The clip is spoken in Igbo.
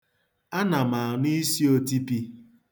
Ana m anụ isi otipi.